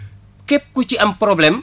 képp ku ci am problème